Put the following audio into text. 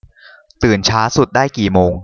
ตื่นช้าสุดได้กี่โมง